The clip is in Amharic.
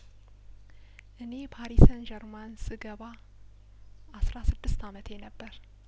እኔ ፓሪሰን ዠርማን ስገባ አስራ ስድስት አመቴ ነበር